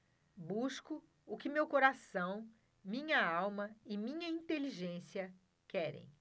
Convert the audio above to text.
busco o que meu coração minha alma e minha inteligência querem